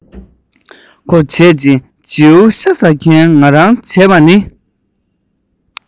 ཁོ བྱེད ཅིང བྱིའུ ཤ ཟ མཁན ང རང བྱེད པ ནི